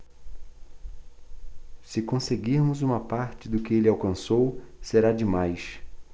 se conseguirmos uma parte do que ele alcançou será demais